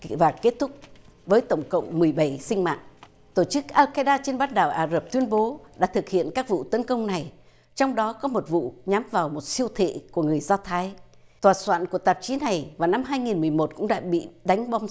và kết thúc với tổng cộng mười bảy sinh mạng tổ chức a ke đa trên bán đảo ả rập tuyên bố đã thực hiện các vụ tấn công này trong đó có một vụ nhắm vào một siêu thị của người do thái tòa soạn của tạp chí này vào năm hai nghìn mười một cũng đã bị đánh bom